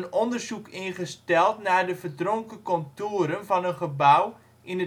onderzoek ingesteld naar de verdronken contouren van een gebouw in